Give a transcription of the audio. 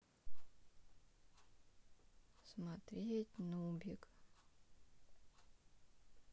смотреть нубик